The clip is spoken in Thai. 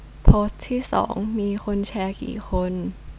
โพสต์ที่สองมีคนแชร์กี่คน